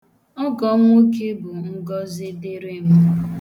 Ọgọ m nwoke bụ ngọzị dịrị m.